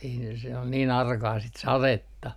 ei ne se oli niin arkaa sitten sadetta